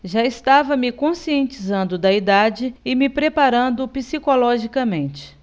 já estava me conscientizando da idade e me preparando psicologicamente